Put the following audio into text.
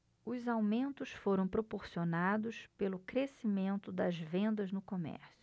os aumentos foram proporcionados pelo crescimento das vendas no comércio